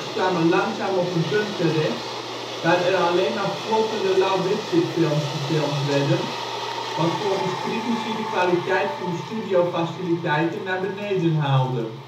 kwamen langzaam op een punt terecht waar er alleen maar floppende low-budgetfilms gefilmd werden, wat volgens critici de kwaliteit van de studiofaciliteiten naar beneden haalde